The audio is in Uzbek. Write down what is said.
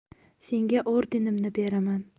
senga ordenimni beraman